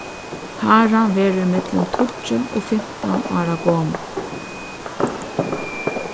haran verður millum tíggju og fimtan ára gomul